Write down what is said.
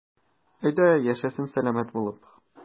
Әйдә, яшәсен сәламәт булып.